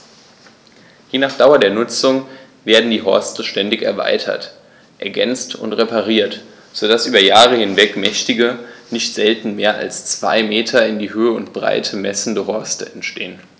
Je nach Dauer der Nutzung werden die Horste ständig erweitert, ergänzt und repariert, so dass über Jahre hinweg mächtige, nicht selten mehr als zwei Meter in Höhe und Breite messende Horste entstehen.